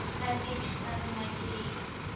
Разведчиклар гына йөри